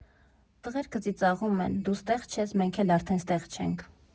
Տղերքը ծիծաղում են՝ դու ստեղ չես, մենք էլ արդեն ստեղ չենք։